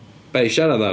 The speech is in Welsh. Be', i siarad am?